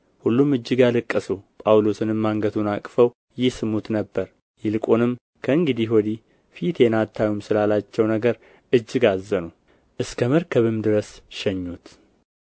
ሁሉም እጅግ አለቀሱ ጳውሎስንም አንገቱን አቅፈው ይስሙት ነበር ይልቁንም ከእንግዲህ ወዲህ ፊቴን አታዩም ስላላቸው ነገር እጅግ አዘኑ እስከ መርከብም ድረስ ሸኙት